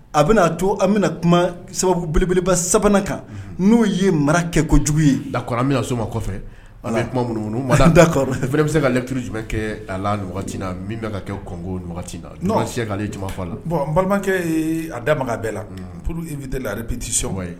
A bɛna'a to an bɛna kuma sababuelebeleba sabanan kan n'o ye mara kɛ ko jugu ye la bɛ soma kɔfɛ a kuma minnuunu ma da bɛ se ka lɛtiriuru jumɛn kɛ a la na min bɛ ka kɛ kɔnko na se k'ale la bɔn balimakɛ a da ma bɛɛ la p ibi tɛ la alepipti seba ye